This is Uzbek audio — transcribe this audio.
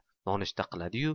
nonushta qiladi yu